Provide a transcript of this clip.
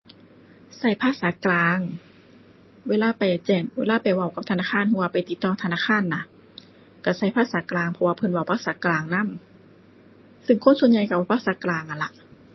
ใช้ภาษากลาง เวลาไปแจ้ง เวลาไปเว้ากับธนาคาร ใช้ว่าไปติดต่อธนาคารน่ะ ใช้ใช้ภาษากลาง เพราะว่าเพิ่นเว้าภาษากลางนำ ซึ่งคนส่วนใหญ่ใช้เว้าภาษากลางนั่นล่ะ